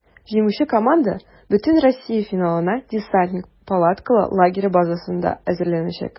Җиңүче команда бөтенроссия финалына "Десантник" палаткалы лагере базасында әзерләнәчәк.